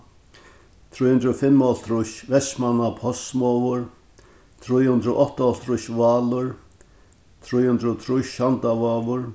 trý hundrað og fimmoghálvtrýss vestmanna postsmogur trý hundrað og áttaoghálvtrýss válur trý hundrað og trýss sandavágur